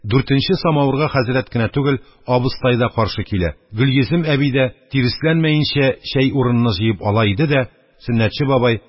Дүртенче самавырга хәзрәт кенә түгел, абыстай да каршы килә, Гөлйөзем әби дә, тиресләнмәенчә2 , чәй урыныны җыеп ала иде дә, Сөннәтче бабай: